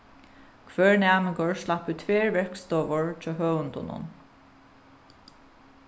hvør næmingur slapp í tvær verkstovur hjá høvundunum